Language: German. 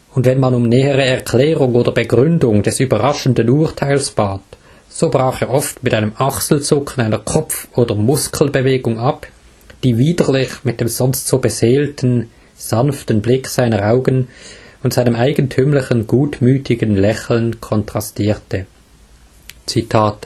wenn man um nähere Erklärung oder Begründung des überraschenden Urteils bat, so brach er oft mit einem Achselzucken, einer Kopf - oder Muskelbewegung ab, die widerlich mit dem sonst so beseelten, sanften Blick seiner Augen und seinem eigenthümlichen, gutmüthigen Lächeln contrastierte. Als